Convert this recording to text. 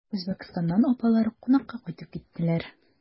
Үзбәкстаннан апалары кунакка кайтып киттеләр.